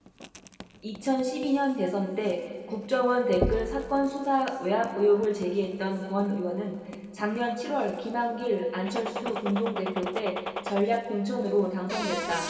이천 십 이 년 대선 때 국정원 댓글 사건 수사 외압 의혹을 제기했던 권 의원은 작년 칠 월 김한길 안철수 공동대표 때 전략 공천으로 당선됐다